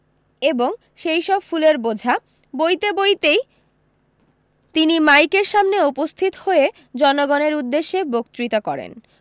এবং সেই সব ফুলের বোঝা বৈতে বৈতই তিনি মাইকের সামনে উপস্থিত হয়ে জনগণের উদ্দেশ্যে বক্তৃতা করেন